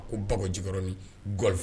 A ko baɔrɔnin